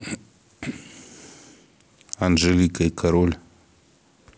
анжелика и король